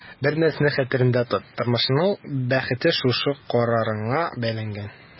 Бер нәрсәне хәтерендә тот: тормышыңның бәхете шушы карарыңа бәйләнгән.